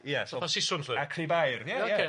Ia so... Fel siswrn 'lly? A crib aur ia ia. Ocê.